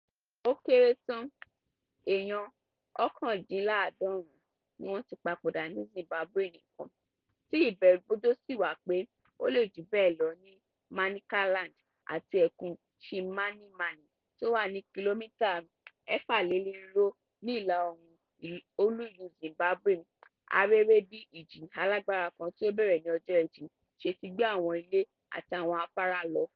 Ó kéré tán èèyàn 89 ni wọ́n ti papòdà ní Zimbabwe nìkan, tí ìbẹ̀rùbojo sì wà pé ó lè jù bẹ́ẹ̀ lọ, ní Manicaland ti ẹkùn Chimanimani, tí ó wà ní kìlómítà 406 ní ìlà-oòrùn olú-ìlú Zimbabwe, Harare, bí ìjì alágbára kan tí ó bẹ̀rẹ̀ ní ọjọ́ Ẹtì ṣe ti gbé àwọn ilé àti àwọn afárá lọ.